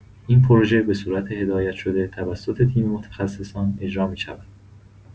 این پروژه به صورت هدایت‌شده توسط تیم متخصصان اجرا می‌شود.